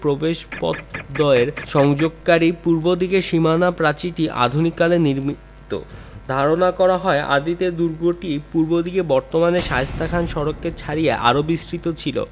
প্রবেশপথদ্বয়ের সংযোগকারী পূর্ব দিকের সীমানা প্রাচীরটি আধুনিক কালে নির্মিত ধারণা করা হয় আদিতে দুর্গটি পূর্ব দিকে বর্তমানের শায়েস্তা খান সড়ককে ছাড়িয়ে আরও বিস্তৃত ছিল